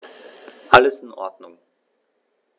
Alles in Ordnung.